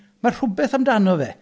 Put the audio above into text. Mae rhywbeth amdano fe.